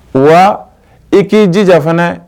Wa i k'i ji jan fana